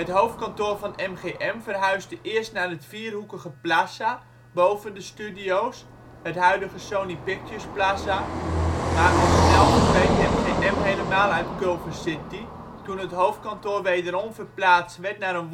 hoofdkantoor van MGM verhuisde eerst naar het vierhoekige plaza boven de studio 's (het huidige Sony Pictures Plaza), maar al snel verdween MGM helemaal uit Culver City toen het hoofdkantoor wederom verplaatst werd naar